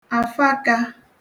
àfakā